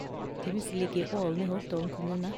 Det huset ligger i Ålen i Holtålen kommune.